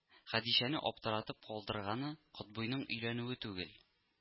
— хәдичәне аптыратып калдырганы котбыйның өйләнүе түгел